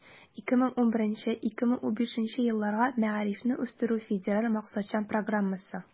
2011 - 2015 елларга мәгарифне үстерү федераль максатчан программасы.